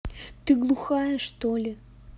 ты глухая что ли